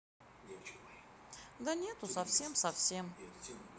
да нету совсем совсем